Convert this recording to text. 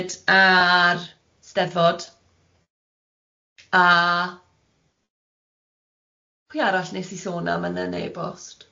a'r steddfod a pwy arall wnes i sôn am yn yn e-bost?